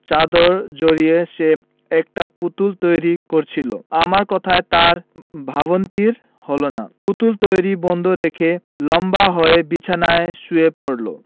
চাদর জড়িয়ে সে একটা পুতুল তৈরি করছিলো আমার কথায় তার ভাবান্তর হলো না পুতুল তৈরী বন্ধ রেখে লম্বা হয়ে বিছানায় শুয়ে পড়লো